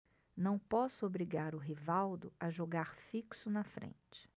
não posso obrigar o rivaldo a jogar fixo na frente